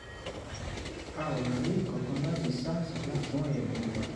A ò ráyè kankan láti sá àsálà fún ẹ̀mí wa.